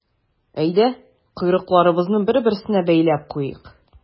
Әйдә, койрыкларыбызны бер-берсенә бәйләп куйыйк.